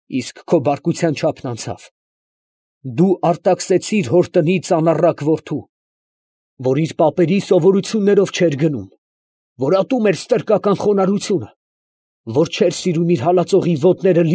Իսկ քո բարկության չափն անցավ. դու արտաքսեցիր հոր տնից անառակ որդու, որ իր պապերի սովորություններով չէր գնում, որ ատում էր ստրկական խոնարհությունը, որ չէր սիրում իր հալածողի ոտները։